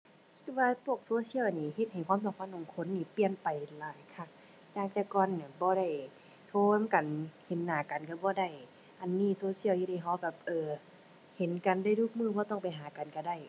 คิดว่าพวกโซเชียลนี้เฮ็ดให้ความสัมพันธ์ของคนนี่เปลี่ยนไปหลายคัก จากแต่ก่อนนั้นบ่ได้โทรกัน เห็นหน้ากันก็บ่ได้ อันนี้โซเชียลเฮ็ดให้ก็แบบ เออ เห็นกันได้ทุกมื้อ บ่ต้องไปหากันก็ได้